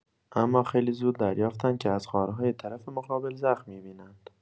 اما خیلی زود دریافتند که از خارهای طرف مقابل زخم می‌بینند.